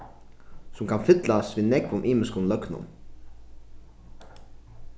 sum kann fyllast við nógvum ymiskum løgnum